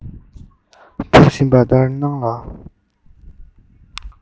འབབ བཞིན པ ལྟར སྣང ལ